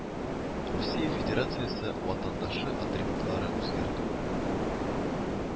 Русия Федерациясе ватандашы атрибутлары үзгәртү